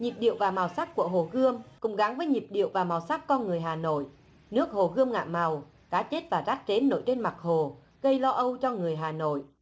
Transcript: nhịp điệu và màu sắc của hồ gươm cũng gắn với nhịp điệu và màu sắc con người hà nội nước hồ gươm ngả màu cá chết và rác chế nổi trên mặt hồ gây lo âu cho người hà nội